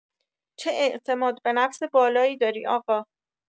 چه اعتماد به نفس بالایی داری آقا